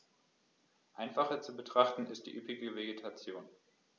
Einfacher zu betrachten ist die üppige Vegetation.